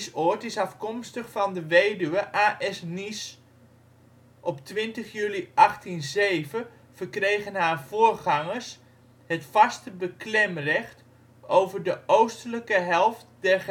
Oldambtmeer. De naam Niesoord is afkomstig van de weduwe A.S.Nies, 20 juli 1807 verkregen haar " voorgangers " het vaste beklemrecht over " de oostelijke helft der